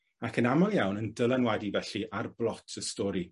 ac yn amal iawn yn dylanwadu felly ar blot y stori.